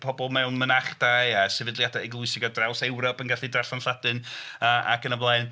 Pobl mewn mynachdai a sefydliadau eglwysig ar draws Ewrop yn gallu darllen Lladin a ac yn y blaen.